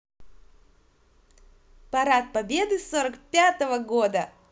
парад победы сорок пятого года